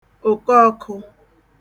òkeọkụ